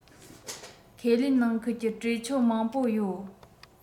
ཁས ལེན ནང ཁུལ གྱི གྲོས ཆོད མང པོ ཡོད